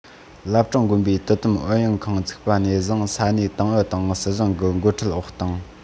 བླ བྲང དགོན པའི དོ དམ ཨུ ཡོན ཁང ཚུགས པ ནས བཟུང ས གནས ཏང ཨུ དང སྲིད གཞུང གི འགོ ཁྲིད འོག དང